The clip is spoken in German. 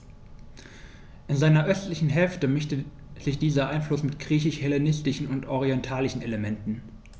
In seiner östlichen Hälfte mischte sich dieser Einfluss mit griechisch-hellenistischen und orientalischen Elementen.